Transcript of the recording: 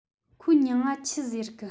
ཁོའི མྱིང ང ཆི ཟེར གི